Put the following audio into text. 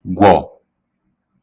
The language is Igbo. gwọ̀